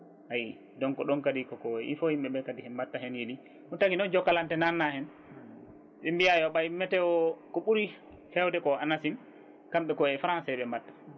ayi donc ɗon kadi koko il faut yimɓeɓe kadi ɓe mbatta hen * ɗum tagui noon Jokalante nanna hen ɓe mbiya ɓayde météo ko ɓuuri hewde ko ANACIM kamɓe kooye Français ɓe mbatta